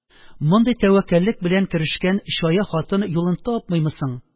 Мондый тәвәккәллек белән керешкән чая хатын юлын тапмыймы соң?